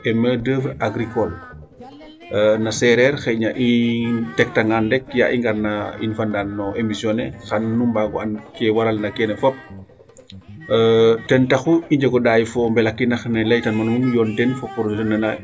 Et main d' oeuvre agricole na seereer xayna i tektangaan rek yaa i ngarna in fa Ndane no emission ne xan nu mbaago and ke waral na keene fop ten taxu i njeg o ɗaay fo o mbelakinax ne laytan ma nuun i yoon teen fo projet ne naa